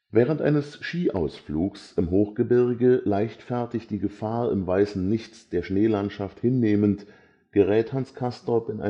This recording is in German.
Während eines Skiausflugs im Hochgebirge, leichtfertig die Gefahr im „ weißen Nichts “der Schneelandschaft hinnehmend, gerät Hans Castorp